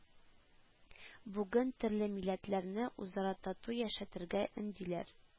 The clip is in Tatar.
Бүген төрле милләтләрне үзара тату яшәтергә өндиләр